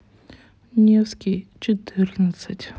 невский четырнадцать